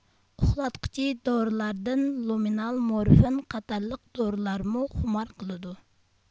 ئۇخلاتقۇچى دورىلاردىن لۇمىنال مورفىن قاتارلىق دورىلارمۇ خۇمار قىلىدۇ